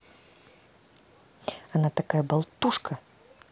она такая болтушка